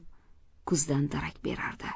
kuzdan darak berardi